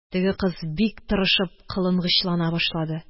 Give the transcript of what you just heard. Теге кыз бик тырышып кылынгычлана башлады